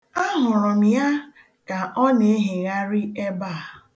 Ahụrụ m ya ka ọ na-ehegharị ebe a.